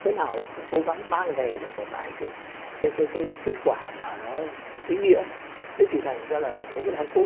thế nào cũng phải cố gắng mang về được một vài cái cái cái cái kết quả mà nó ý nghĩa thế thì thành ra là ông đang cố